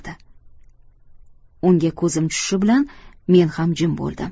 unga ko'zim tushishi bilan men ham jim bo'ldim